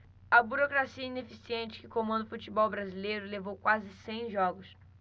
a burocracia ineficiente que comanda o futebol brasileiro levou quase cem jogos